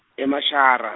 e- Mashara.